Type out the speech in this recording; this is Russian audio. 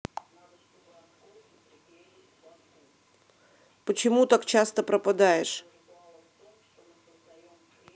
почему так часто пропадаешь